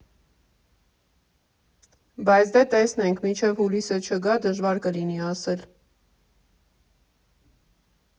Բայց դե տեսնենք, մինչև հուլիսը չգա, դժվար կլինի ասել։